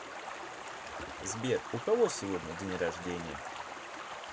сбер у кого сегодня день рождения